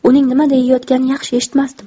uning nima deyayotganini yaxshi eshitmasdim